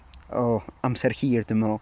Oo amser hir dwi'n meddwl.